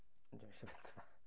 Dwi'm isie byta fe.